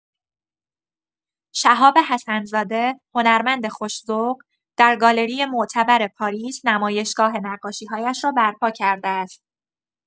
شهاب حسن‌زاده، هنرمند خوش‌ذوق، در گالری معتبر پاریس نمایشگاه نقاشی‌هایش را برپا کرده است.